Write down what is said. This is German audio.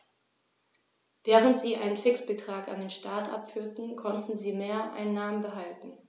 Während sie einen Fixbetrag an den Staat abführten, konnten sie Mehreinnahmen behalten.